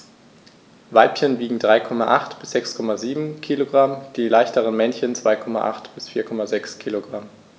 Weibchen wiegen 3,8 bis 6,7 kg, die leichteren Männchen 2,8 bis 4,6 kg.